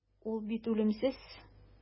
Ул бит үлемсез.